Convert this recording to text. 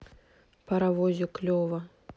паровозик лева